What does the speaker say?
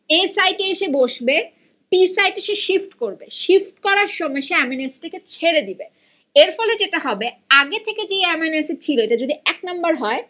এ সাইটে এসে বসবে টি সাইটে সে শিফট করবে শিফট করার সময় সে এমাইনো এসিড টাকে ছেড়ে দিবে এর ফলে যেটা হবে আগে থেকে যে এমাইনো এসিড ছিল এটা যদি এক নাম্বার হয়